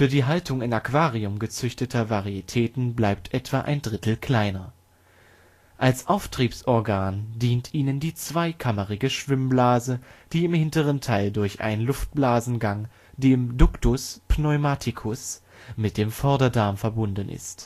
die Haltung in Aquarien gezüchtete Varietäten bleiben etwa ein Drittel kleiner. Als Auftriebsorgan dient ihnen die zweikammerige Schwimmblase, die im hinteren Teil durch einen Luftblasengang, dem Ductus pneumaticus, mit dem Vorderdarm verbunden ist